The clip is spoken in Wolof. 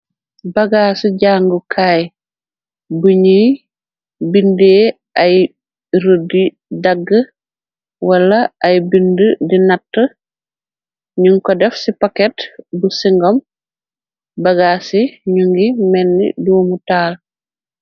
Bagaasi jàngu kaay buñuy bindee ay rëdi dagg wala ay bind di natt ñuñ ko def ci paket bu singom bagaa si ñu ngi menn duumu taal.